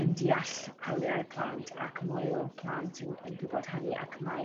yn deall hawliau plant ac mwy o plant yn yn gw'bod hynny ac mae